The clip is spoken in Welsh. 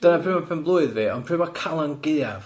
Dyna pryd ma' penblwydd fi ond pryd ma' Calan Gaeaf?